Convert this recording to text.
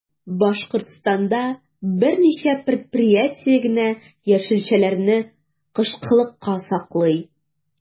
Башкортстанда берничә предприятие генә яшелчәләрне кышкылыкка саклый.